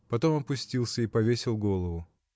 Потом опустился и повесил голову.